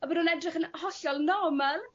A bo' nw'n edrych yn hollol normal.